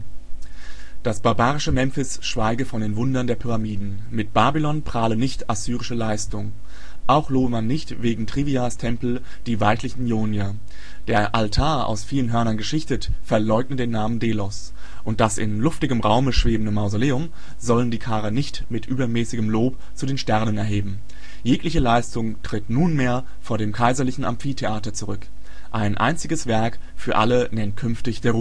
barbarische Memphis schweige von den Wundern der Pyramiden, mit Babylon prahle nicht assyrische Leistung; auch lobe man nicht wegen Trivias Tempel die weichlichen Jonier; der Altar, aus vielen Hörnern geschichtet, verleugne den Namen Delos, und das in luftigem Raume schwebende Mausoleum sollen die Karer nicht mit übermäßigem Lob zu den Sternen erheben. Jegliche Leistung tritt nunmehr vor dem kaiserlichen Amphitheater zurück Ein einziges Werk für alle nennt künftig der